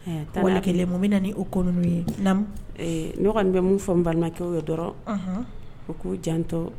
Taa kelen mun bɛ nana' kɔnɔna' ye ɲɔgɔn bɛ mun fɔ n banna kɛ ye dɔrɔn u k'u jantɔ